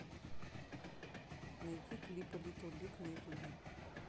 найди клипы литл биг на ютубе